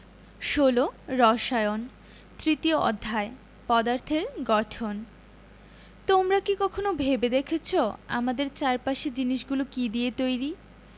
১৬ রসায়ন তৃতীয় অধ্যায় পদার্থের গঠন তোমরা কি কখনো ভেবে দেখেছ আমাদের চারপাশের জিনিসগুলো কী দিয়ে তৈরি